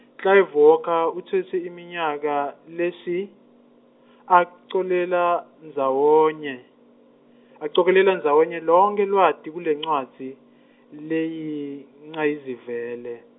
Clive Walker utsetse iminyaka, lesi, acokelela ndzawonye, acokelela ndzawonye lonkhe lwati kulencwadzi, leyincayizivele.